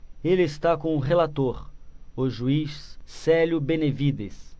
ele está com o relator o juiz célio benevides